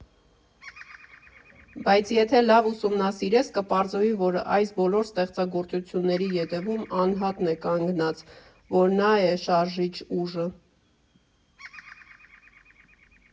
Բայց եթե լավ ուսումնասիրես, կպարզվի, որ այս բոլոր ստեղծագործությունների երևում անհատն է կանգնած, որ նա է շարժիչ ուժը։